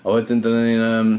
A wedyn dyma ni'n yym...